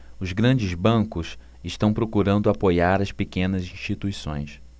os grandes bancos estão procurando apoiar as pequenas instituições